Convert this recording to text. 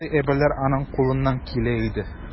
Мондый әйберләр аның кулыннан килә иде.